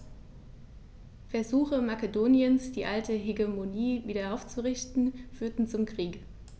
Versuche Makedoniens, die alte Hegemonie wieder aufzurichten, führten zum Krieg.